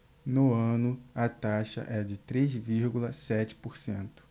no ano a taxa é de três vírgula sete por cento